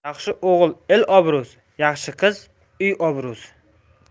yaxshi o'g'il el obro'si yaxshi qiz uy obro'si